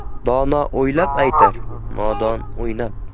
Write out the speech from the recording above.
dono o'ylab aytar nodon o'ynab